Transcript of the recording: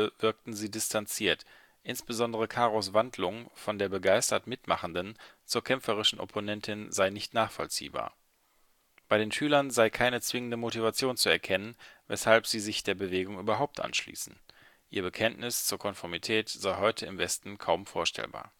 wirkten sie distanziert, insbesondere Karos Wandlung von der begeistert Mitmachenden zur kämpferischen Opponentin sei nicht nachvollziehbar. Bei den Schülern sei keine zwingende Motivation zu erkennen, weshalb sie sich der Bewegung überhaupt anschließen, ihr Bekenntnis zu Konformität sei heute im Westen kaum vorstellbar